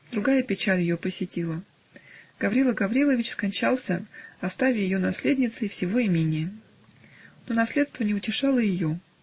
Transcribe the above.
Другая печаль ее посетила: Гаврила Гаврилович скончался, оставя ее наследницей всего имения. Но наследство не утешало ее